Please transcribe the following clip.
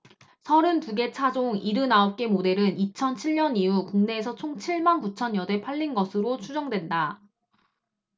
서른 두 개 차종 일흔 아홉 개 모델은 이천 칠 년 이후 국내에서 총 칠 만 구천 여대 팔린 것으로 추정된다